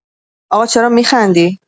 آقا چرا می‌خندی؟